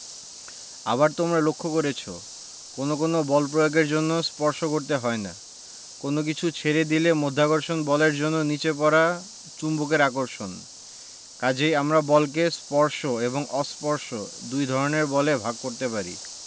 আবার তোমরা লক্ষ করেছ কোনো কোনো বল প্রয়োগের জন্য স্পর্শ করতে হয় না কোনো কিছু ছেড়ে দিলে মাধ্যাকর্ষণ বলের জন্য নিচে পড়া চুম্বকের আকর্ষণ কাজেই আমরা বলকে স্পর্শ এবং অস্পর্শ দুই ধরনের বলে ভাগ করতে পারি